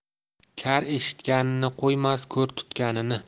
kar eshitganini qo'ymas ko'r tutganini